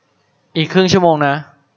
อีกครึ่งชั่วโมงนะ